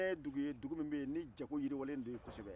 ɲamina ye dugu ye dugu min na jago yiriwalendon kosɛbɛ